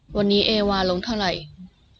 วันนี้เอวาลงเท่าไหร่